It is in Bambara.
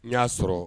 N y'a sɔrɔ